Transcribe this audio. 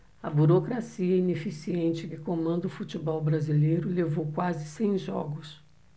a burocracia ineficiente que comanda o futebol brasileiro levou quase cem jogos